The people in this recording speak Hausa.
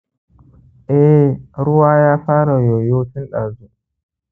eh, ruwa ya fara yoyo tun ɗazu